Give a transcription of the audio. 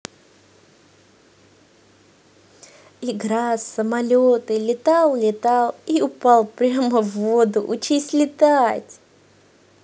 игра самолеты летал летал и упал прямо в воду учись летать